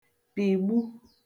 pị̀gbu